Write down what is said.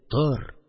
Тор